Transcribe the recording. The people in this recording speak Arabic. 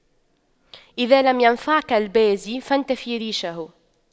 إذا لم ينفعك البازي فانتف ريشه